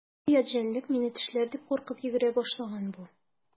Бу ят җәнлек мине тешләр дип куркып йөгерә башлаган бу.